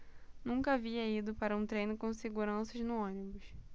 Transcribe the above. nunca havia ido para um treino com seguranças no ônibus